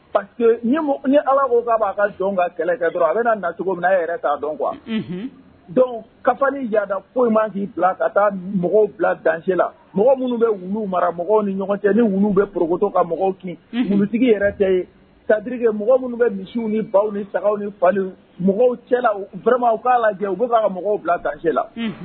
Pa ni ala ko k'a'a ka kɛlɛ ale na nacogo min' dɔn qu ka fa jada foyi' bila ka taa bila dancɛ la mɔgɔ minnu bɛ wu mara mɔgɔw ni ɲɔgɔn cɛ ni bɛ ptɔ ka mɔgɔw kintigi yɛrɛ cɛ ye tadike mɔgɔ minnu bɛ misiw ni baw ni saga ni fa mɔgɔw cɛmaw k'a la jɛ u bɛ'a ka mɔgɔw bila dancɛ la